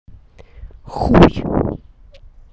хуй